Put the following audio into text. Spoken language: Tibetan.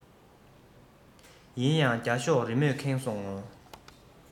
ཡིན ཡང རྒྱ ཤོག རི མོས ཁེངས སོང ངོ